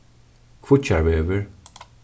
kvíggjarvegur